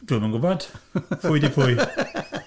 Dwi'm yn gwybod pwy 'di pwy?